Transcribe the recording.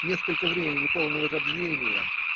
Несколько времени полного забвения